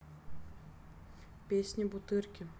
песни бутырки